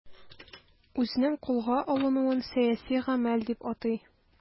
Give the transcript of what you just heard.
Үзенең кулга алынуын сәяси гамәл дип атый.